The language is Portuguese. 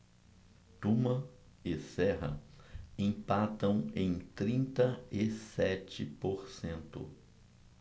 tuma e serra empatam em trinta e sete por cento